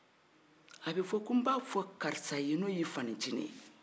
a bi fɔ ko b'a fɔ karisa ye n'o yi fanin cinin ye